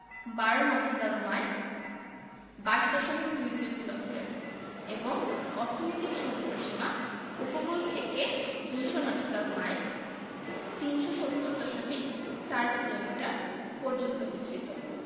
১২ nautical mile ২২ দশমিক দুই দুই কিলোমিটার এবং অর্থনৈতিক সমুদ্রসীমা উপকূল থেকে ২০০ নটিক্যাল মাইল ৩৭০ দশমিক ৪ কিলোমিটার পর্যন্ত বিস্তৃত